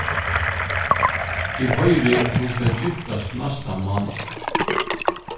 eg hoyri at hon skal giftast næsta mánað